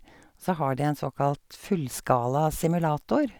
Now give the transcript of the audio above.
Så har de en såkalt fullskala simulator.